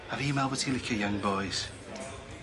A fi'n meddwl bo' ti licio young boys.